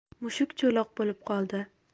mushuk cho'loq bo'lib qoldi